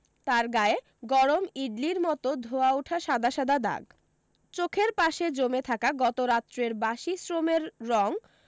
তার গায়ে গরম ইডলির মতো ধোঁয়া ওঠা সাদা সাদা দাগ চোখের পাশে জমে থাকা গতরাত্রের বাসি শ্রমের রঙ